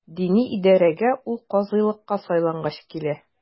Дини идарәгә ул казыйлыкка сайлангач килә.